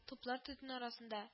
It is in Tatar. Туплар төтене арасында